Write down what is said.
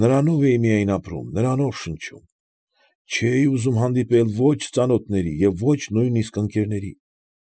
Նրանով էի միայն ապրում, նրանով շնչում։ Չէի, ուզում հանդիպել ոչ ծանոթների և ոչ նույնիսկ ընկերների։